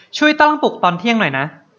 ช่วยตั้งปลุกตอนเที่ยงหน่อยนะ